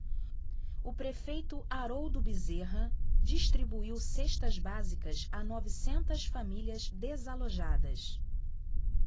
o prefeito haroldo bezerra distribuiu cestas básicas a novecentas famílias desalojadas